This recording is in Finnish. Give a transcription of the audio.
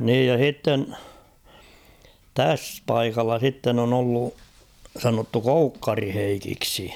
niin ja sitten tässä paikalla sitten on ollut sanottu Koukkarin Heikiksi